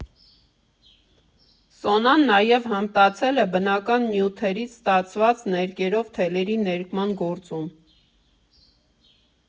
Սոնան նաև հմտացել է բնական նյութերից ստացված ներկերով թելերի ներկման գործում։